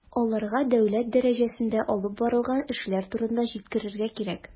Аларга дәүләт дәрәҗәсендә алып барылган эшләр турында җиткерергә кирәк.